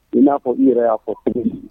I n'a fɔ i yɛrɛ y'a fɔ ko